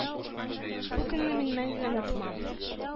Бу көнне мин мәңге онытмам!